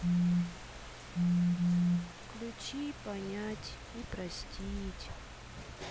включи понять и простить